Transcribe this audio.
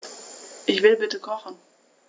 Ich will bitte kochen.